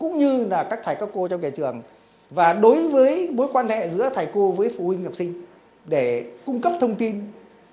cũng như là các thầy các cô trong nhà trường và đối với mối quan hệ giữa thầy cô với phụ huynh học sinh để cung cấp thông tin